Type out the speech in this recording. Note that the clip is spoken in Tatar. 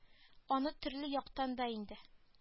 Аны төрле яктан да инде